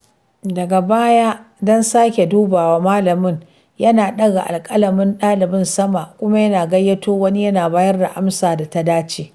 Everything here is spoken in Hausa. Daga baya, don sake dubawa, malamin yana ɗaga alkalamin ɗalibin sama kuma yana gayyato wani ya bayar da amsar da ta dace